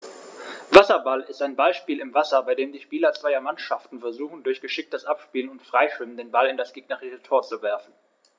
Wasserball ist ein Ballspiel im Wasser, bei dem die Spieler zweier Mannschaften versuchen, durch geschicktes Abspielen und Freischwimmen den Ball in das gegnerische Tor zu werfen.